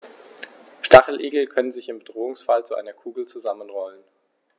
Stacheligel können sich im Bedrohungsfall zu einer Kugel zusammenrollen.